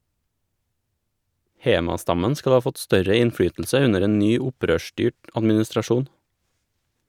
Hema-stammen skal ha fått større innflytelse under en ny opprørsstyrt administrasjon.